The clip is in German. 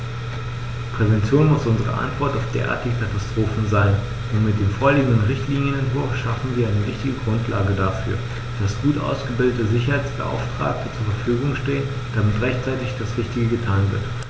Prävention muss unsere Antwort auf derartige Katastrophen sein, und mit dem vorliegenden Richtlinienentwurf schaffen wir eine wichtige Grundlage dafür, dass gut ausgebildete Sicherheitsbeauftragte zur Verfügung stehen, damit rechtzeitig das Richtige getan wird.